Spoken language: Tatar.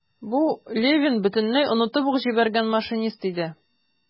Бу - Левин бөтенләй онытып ук җибәргән машинист иде.